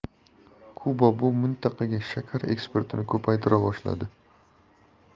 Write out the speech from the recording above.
kuba bu mintaqaga shakar eksportini ko'paytira boshladi